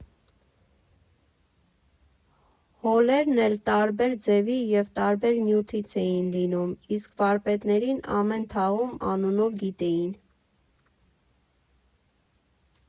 Հոլերն էլ տարբեր ձևի ու տարբեր նյութից էին լինում, իսկ վարպետներին ամեն թաղում անունով գիտեին։